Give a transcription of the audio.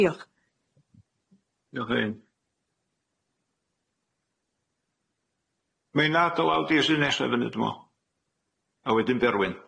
Diolch. Diolch Elin. Menna dy law dydd sy nesa fyny dwi me'wl, a wedyn Berwyn.